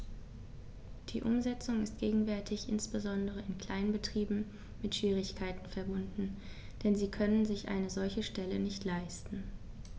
Die Umsetzung ist gegenwärtig insbesondere in kleinen Betrieben mit Schwierigkeiten verbunden, denn sie können sich eine solche Stelle nicht leisten.